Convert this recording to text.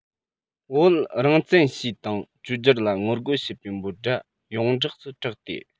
བོད རང བཙན ཞེས དང བཅོས སྒྱུར ལ ངོ རྒོལ བྱེད པའི འབོད སྒྲ ཡོངས བསྒྲགས སུ གྲགས ཏེ